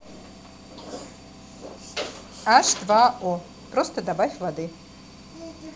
h2o просто добавь воды